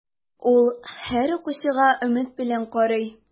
Ул һәр укучыга өмет белән карый.